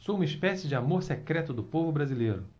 sou uma espécie de amor secreto do povo brasileiro